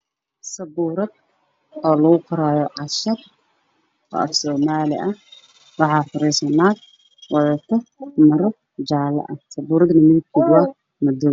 Meeshaan waxaa ka muuqdo sabuurad cashir lagu qoraayo waxana ku qoraayo naag